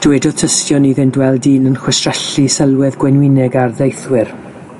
Dywedodd tystion iddynt weld dyn yn chwistrellu sylwedd gwenwynig ar deithwyr